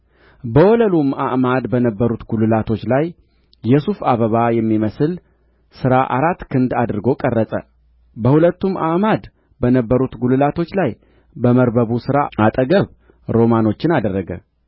በወለሉም አዕማድ በነበሩት ጕልላቶች ላይ የሱፍ አበባ የሚመስል ሥራ አራት ክንድ አድርጎ ቀረጸ በሁለቱም አዕማድ በነበሩት ጕልላቶች ላይ በመርበቡ ሥራ አጠገብ ሮማኖቹን አደረገ